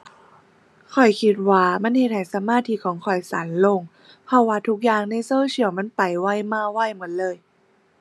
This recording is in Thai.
ข้อยคิดว่ามันเฮ็ดให้สมาธิของข้อยสั้นลง เพราะว่าทุกอย่างในโซเชียลมันไปไวมาไวหมดเลย